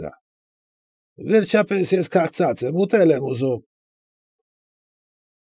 Վրա,֊ վերջապես ես քաղցած եմ, ուտել եմ ուզում։